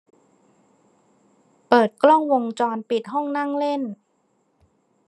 เปิดกล้องวงจรปิดห้องนั่งเล่น